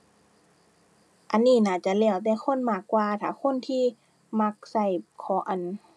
อันนี้น่าจะแล้วแต่คนมากกว่า ถ้าคนที่มักใช้ขอ อั่น